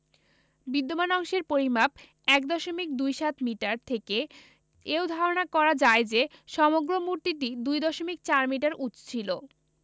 বিদ্যমান অংশের পরিমাপ ১ দশমিক দুই সাত মিটার থেকে এও ধারণা করা যায় যে সমগ্র মূর্তিটি ২ দশমিক ৪ মিটার উঁচু ছিল